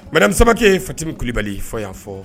Mɛ sababa ye fatimuli kulubali fo y'a fɔ